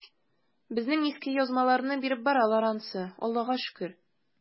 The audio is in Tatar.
Безнең иске язмаларны биреп баралар ансы, Аллага шөкер.